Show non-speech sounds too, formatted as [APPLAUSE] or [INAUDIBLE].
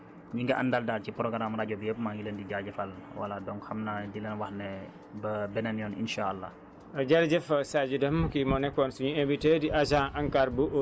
donc di remercier yow [HESITATION] ak sa équipe ñoom Thierno Touré ñi nga àndal daal ci programme rajo bi yépp maa ngi leen di jaajëfal voilà donc xam naa di leen wax ne ba beneen yoon insaa àllaa